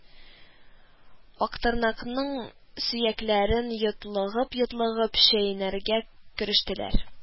Актырнакның сөякләрен йотлыгып-йотлыгып чәйнәргә керештеләр